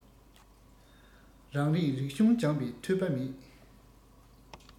རང རིགས རིག གཞུང སྦྱངས པའི ཐོས པ མེད